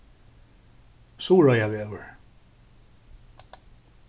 suðuroyavegur